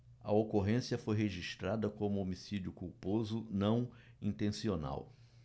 a ocorrência foi registrada como homicídio culposo não intencional